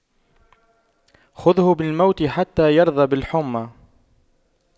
خُذْهُ بالموت حتى يرضى بالحُمَّى